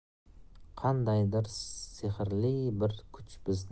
qandaydir sehrli bir kuch